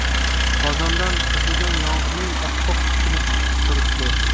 qozondan qizigan yog'ning oppoq tutuni chiqib turibdi